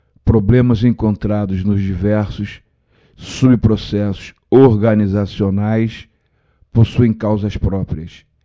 problemas encontrados nos diversos subprocessos organizacionais possuem causas próprias